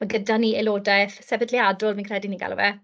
Mae gyda ni aelodaeth sefydliadol, fi'n credu ni'n galw fe.